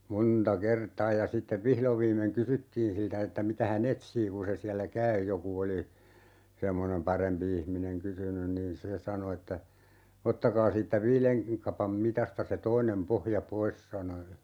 monta kertaa ja sitten vihdoin viimein kysyttiin siltä että mitä hän etsii kun se siellä käy joku oli semmoinen parempi ihminen kysynyt niin se sanoi että ottakaa siitä viiden kapan mitasta se toinen pohja pois sanoi ja